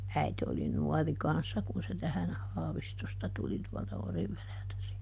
äiti oli nuori kanssa kun se tähän Haavistosta tuli tuolta Orivedeltä siihen